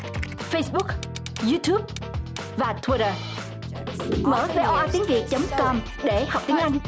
phây búc riu túp và tuýt tơ mở vê o a tiếng việt chấm com để học tiếng anh